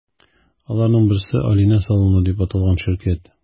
Аларның берсе – “Алина салоны” дип аталган ширкәт.